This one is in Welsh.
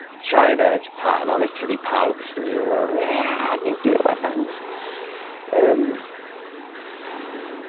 China a Japan a literally pawb jyst yn myn' i fod fel ie nuclear weapons yym.